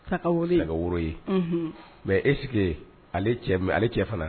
Sa saga woro ye mɛ e sigi ale cɛ fana